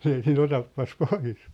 ei siinä otapas pois